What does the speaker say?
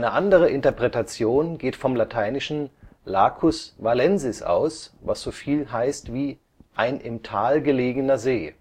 andere Interpretation geht vom lateinischen Lacus vallensis aus, was soviel heißt wie „ ein im Tal gelegener See